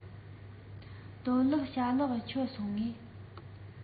སྟོབས ལགས ཞལ ལག མཆོད སོང ངས